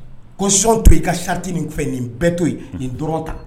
Caution to yen, i ka sarati nin fɛ nin bɛɛ to yen, nin dɔrɔn ta.